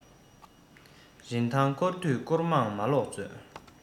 རིན ཐང སྐོར དུས སྐོར ཐང མ ལོག མཛོད